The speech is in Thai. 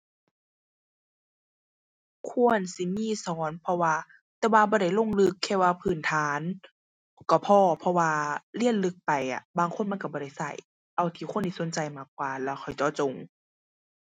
ควรสิมีสอน เพราะว่า แต่ว่าบ่ได้ลงลึกแค่ว่าพื้นฐานก็พอ เพราะว่าเรียนลึกไปอะ บางคนมันก็บ่ได้ก็ เอาที่คนที่สนใจมากกว่าแล้วค่อยเจาะจง